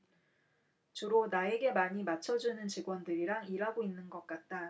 주로 나에게 많이 맞춰주는 직원들이랑 일하고 있는 것 같다